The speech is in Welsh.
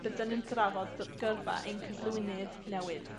bydwn yn trafod gyrfa ein cyflwynydd newydd.